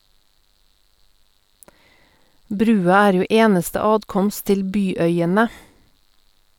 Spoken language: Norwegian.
Brua er jo eneste atkomst til byøyene.